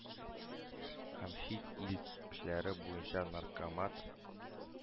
Һәм «чит ил эшләре буенча наркомат